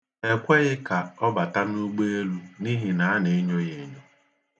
E kweghi ka ọ bata n'ugbeelu n'ihi na a na-enyo ya enyo.